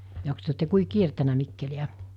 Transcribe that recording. jokos te olette kuinka kiertänyt Mikkeliä